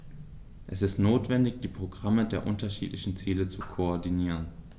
Es ist notwendig, die Programme der unterschiedlichen Ziele zu koordinieren.